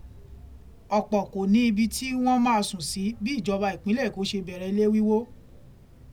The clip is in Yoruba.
Ọ̀pọ̀ kò ní ibi tí wọ́n máa sùn bí ìjọba ìpínlẹ̀ Èkó ṣe bẹ̀rẹ̀ ilé wíwó